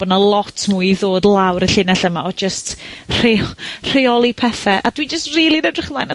bo' 'na lot mwy i ddod lawr y llinell yma o jyst rheo- rheoli pethe, a dwi jyst rili'n edrych ymlaen at